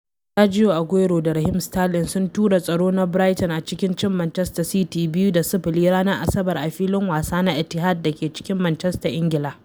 Sergio Aguero da Raheem Sterling sun tura tsaro na Brighton a cikin cin Manchester City 2 da 0 ranar Asabar a Filin Wasa na Etihad da ke cikin Manchester, Ingila.